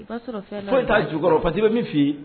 Foyi i t' jukɔrɔ patigi bɛ min f'i